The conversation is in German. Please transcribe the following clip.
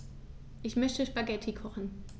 Ich möchte Spaghetti kochen.